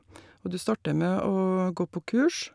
Og du starter med å gå på kurs.